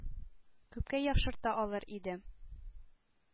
Күпкә яхшырта алыр иде.